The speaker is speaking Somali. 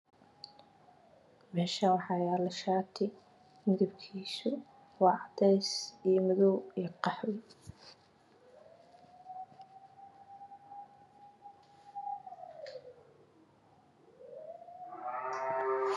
Meshaani waxaa yala waa shati midabkisu waa cadees iyo madoow iyo qaxwi